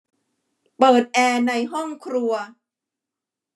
เปิดแอร์ในห้องครัว